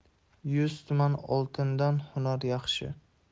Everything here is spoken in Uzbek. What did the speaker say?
yuz tuman oltindan hunar yaxshi